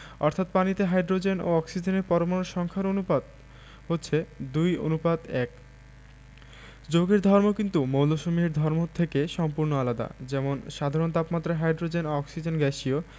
অর্থাৎ পানিতে হাইড্রোজেন ও অক্সিজেনের পরমাণুর সংখ্যার অনুপাত হচ্ছে ২ অনুপাত ১যৌগের ধর্ম কিন্তু মৌলসমূহের ধর্ম থেকে সম্পূর্ণ আলাদা যেমন সাধারণ তাপমাত্রায় হাইড্রোজেন ও অক্সিজেন গ্যাসীয়